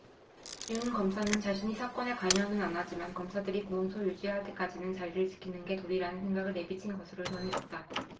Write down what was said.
윤 검사는 자신이 사건에 관여는 안하지만 검사들이 공소유지 할 때까지는 자리를 지키는 게 도리라는 생각을 내비친 것으로 전해졌다